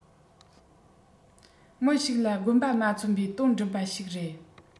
མི ཞིག ལ དགོངས པ མ ཚོམ པའི དོན བསྒྲུབ པ ཞིག རེད